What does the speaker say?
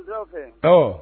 awɔɔ